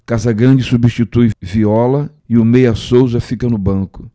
casagrande substitui viola e o meia souza fica no banco